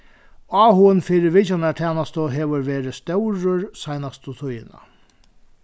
áhugin fyri vitjanartænastu hevur verið stórur seinastu tíðina